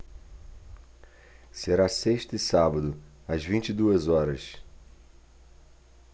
será sexta e sábado às vinte e duas horas